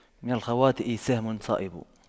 من الخواطئ سهم صائب